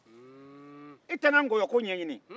i tɛ n ka nkɔyɔko ɲɛɲini